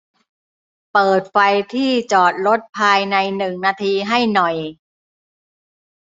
เปิดไฟที่จอดรถภายในหนึ่งนาทีให้หน่อย